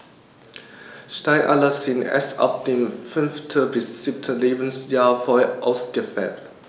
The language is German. Steinadler sind erst ab dem 5. bis 7. Lebensjahr voll ausgefärbt.